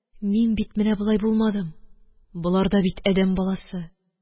Мин бит менә болай булмадым, болар да бит адәм баласы